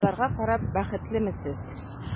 Аларга карап бәхетлеме сез?